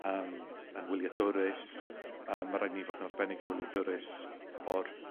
yym yn wyliadwrus yym ma' raid ni fod yn arbennig o wyliadwrus o'r